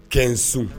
Kɛ n sun